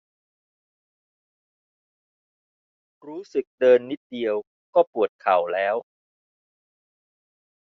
รู้สึกเดินนิดเดียวก็ปวดเข่าแล้ว